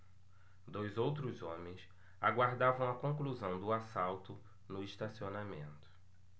dois outros homens aguardavam a conclusão do assalto no estacionamento